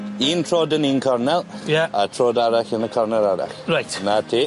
Un trod yn un cornel. Ie. A trod arall yn y cornel arall. Reit. 'Na ti.